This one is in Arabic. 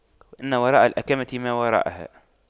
إن وراء الأَكَمةِ ما وراءها